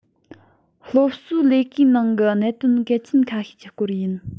སློབ གསོའི ལས ཀའི ནང གི གནད དོན གལ ཆེན ཁ ཤས ཀྱི སྐོར ཡིན